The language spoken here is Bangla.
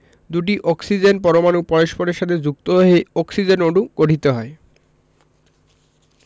দুটি অক্সিজেন পরমাণু পরস্পরের সাথে যুক্ত হয়ে অক্সিজেন অণু গঠিত হয়